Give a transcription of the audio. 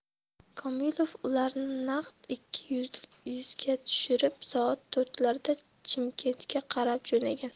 komilov ularni naqd ikki yuzga tushirib soat to'rtlarda chimkentga qarab jo'nagan